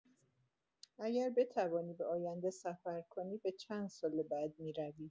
اگر بتوانی به آینده سفر کنی به چند سال بعد می‌روی؟